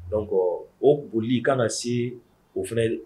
Don o boli i kana na se o fana